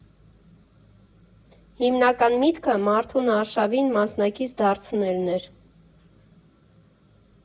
Հիմնական միտքը մարդուն արշավին մասնակից դարձնելն էր։